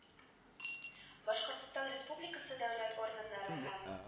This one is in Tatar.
Башкортстан Республикасы дәүләт органнары һәм